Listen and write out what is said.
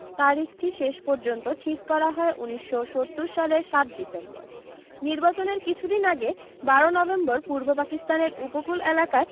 তারিখটি শেষ পর্যন্ত ঠিক করা হয় ১৯৭০ সালের ৭ ডিসেম্বর নির্বাচনের কিছুদিন আগে ১২ নভেম্বর পূর্ব পাকিস্তানের উপকূল এলাকায়